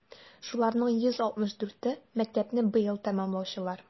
Шуларның 164е - мәктәпне быел тәмамлаучылар.